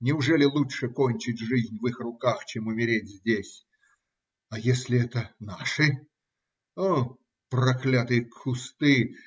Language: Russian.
Неужели лучше кончить жизнь в их руках, чем умереть здесь? А если это - наши? О проклятые кусты!